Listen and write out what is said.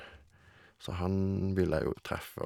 Så han ville jeg jo treffe.